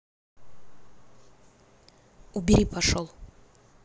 убери пошел